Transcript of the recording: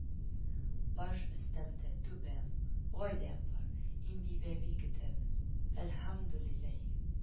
“баш өстемдә – түбәм, гаиләм бар, инде бәби көтәбез, әлхәмдүлилләһи